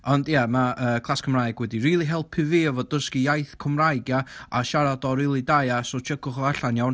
Ond ia, mae yy class Cymraeg wedi rili helpu fi hefo dysgu iaith Cymraeg ia a siarad o'n rili da ia, so tsiecwch o allan iawn.